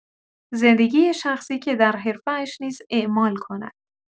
زندگی شخصی، که در حرفه‌اش نیز اعمال کند.